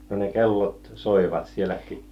no ne kellot soivat siellä sitten